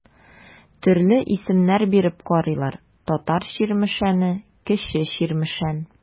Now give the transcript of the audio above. Төрле исемнәр биреп карыйлар: Татар Чирмешәне, Кече Чирмешән.